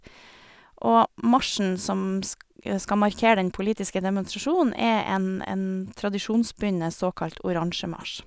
Og marsjen som sk skal markere den politiske demonstrasjonen, er en en tradisjonsbundet såkalt oransjemarsj.